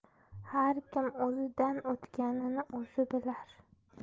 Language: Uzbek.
har kim o'zidan o'tganini o'zi bilar